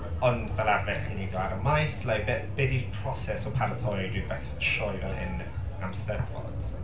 Ond fel arfer chi'n wneud o ar y maes, like be be 'di'r proses o paratoi rhywbeth sioe fel hyn, am 'Steddfod?